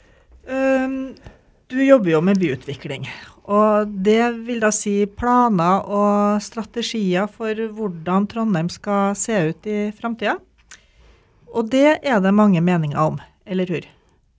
du jobber jo med byutvikling og det vil da si planer og strategier for hvordan Trondheim skal se ut i framtiden og det er det mange meninger om eller ?